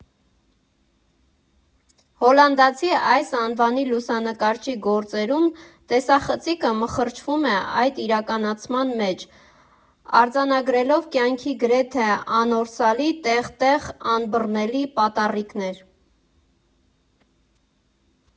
Հոլանդացի այս անվանի լուսանկարչի գործերում տեսախցիկը մխրճվում է այդ իրարանցման մեջ, արձանագրելով կյանքի գրեթե անորսալի, տեղ֊տեղ անըմբռնելի պատառիկներ։